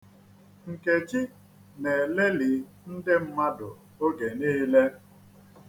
Nkechi na-eleli ndị mmadụ oge niile.